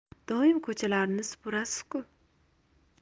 doim ko'chalarni suparasiz ku